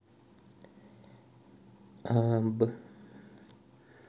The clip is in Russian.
а б